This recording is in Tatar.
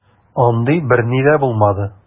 Андый берни дә булмады.